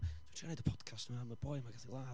dwi'n trio wneud y podcast yma am y boi 'ma gaeth ei ladd.